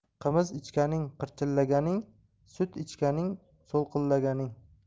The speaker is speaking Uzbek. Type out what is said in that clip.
qimiz ichganing qirchillaganing sut ichganing so'lqillaganing